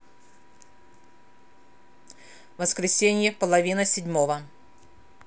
воскресенье половина седьмого